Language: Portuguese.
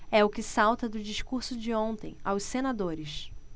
é o que salta do discurso de ontem aos senadores